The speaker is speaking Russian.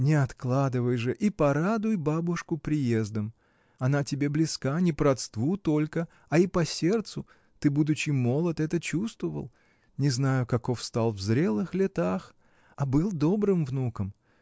Не откладывай же и порадуй бабушку приездом: она тебе близка — не по родству только, а и по сердцу: ты, будучи молод, это чувствовал, — не знаю, каков стал в зрелых летах, а был добрым внуком.